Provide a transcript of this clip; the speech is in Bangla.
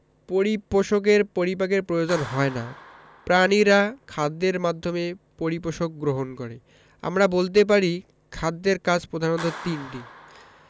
পরিপোষকের পরিপাকের প্রয়োজন হয় না প্রাণীরা খাদ্যের মাধ্যমে পরিপোষক গ্রহণ করে আমরা বলতে পারি খাদ্যের কাজ প্রধানত তিনটি